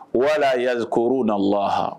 Wala yaaalikouru na wa